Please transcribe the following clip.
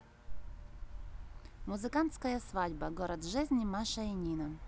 музыкантская свадьба город жизни маша и нина